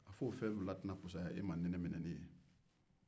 a fɔ o fɛn fila tɛna fusaya e ma ni ne minɛni ye